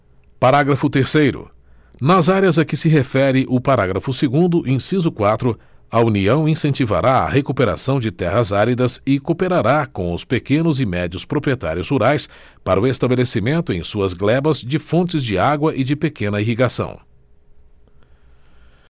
parágrafo terceiro nas áreas a que se refere o parágrafo segundo inciso quatro a união incentivará a recuperação de terras áridas e cooperará com os pequenos e médios proprietários rurais para o estabelecimento em suas glebas de fontes de água e de pequena irrigação